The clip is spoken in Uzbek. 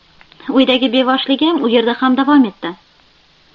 uydagi beboshligim u yerda ham davom etdi